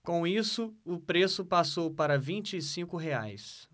com isso o preço passou para vinte e cinco reais